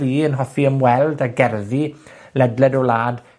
fi yn hoffi ymweld â gerddi ledled y wlad,